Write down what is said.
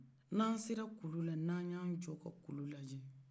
n'an sera kulu la n'an y'an jɔ ka kulu lajɛ